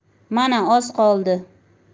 mana oz qoldi